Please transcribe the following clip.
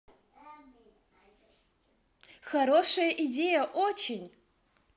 хорошая идея очень